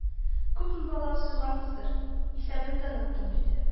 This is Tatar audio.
Күпме бала суйганбыздыр, исәбен дә оныттым, – диде